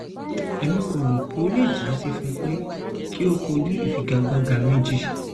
Èmi kò rò pé ó le jásí fún pé kí ó kojú ìfigagbága méjì.